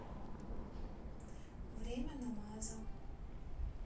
время намаза